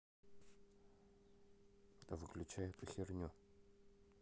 да выключай эту херню